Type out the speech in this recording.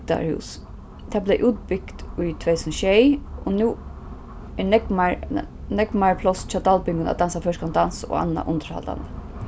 bygdarhús tað bleiv útbygt í tvey túsund og sjey og nú er nógv meir nógv meir pláss hjá dalbingum at dansa føroyskan dans og annað undirhaldandi